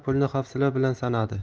pulni hafsala bilan sanadi